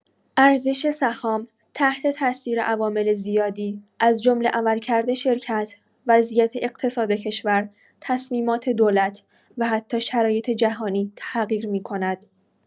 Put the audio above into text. ارزش سهام تحت‌تأثیر عوامل زیادی از جمله عملکرد شرکت، وضعیت اقتصاد کشور، تصمیمات دولت و حتی شرایط جهانی تغییر می‌کند.